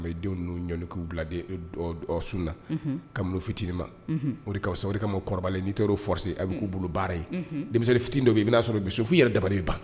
An bɛ den ninnu ɲɔni k'u bila sun na kabini u ficininama, o de k a fisa , o de ka ma krɔbalen ni taal'o forcer o bi k'u bolo baara ye, deminsɛnni ficiini dɔ bɛ in i bina sɔrɔ o bɛ sun fi yɛrɛ dabali bɛ ban